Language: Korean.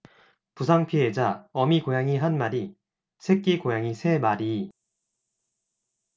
부상 피해자 어미 고양이 한 마리 새끼 고양이 세 마리